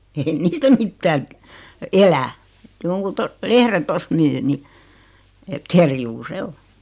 ei niistä mitään - elä jonkun - lehden tuosta myy niin että kerjuu se on